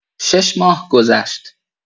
شش ماه گذشت.